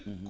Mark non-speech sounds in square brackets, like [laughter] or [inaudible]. [hesitation] [hesitation]